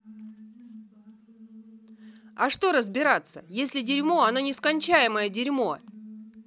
а что разбираться если дерьмо она нескончаемое дерьмо